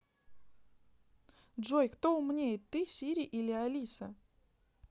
джой кто умнее ты сири или алиса